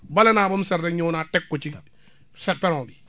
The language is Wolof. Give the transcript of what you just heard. bale naa ba mu set rek ñëw naa teg ko ci sa peroŋ bi